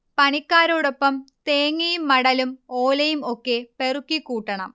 പണിക്കാരോടൊപ്പം തേങ്ങയും മടലും ഓലയും ഒക്കെ പെറുക്കി കൂട്ടണം